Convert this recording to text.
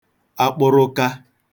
akpụrụka